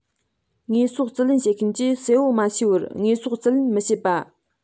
དངོས ཟོག རྩིས ལེན བྱེད མཁན གྱིས གསལ པོ མ ཤེས པར དངོས ཟོག རྩིས ལེན མི བྱེད པ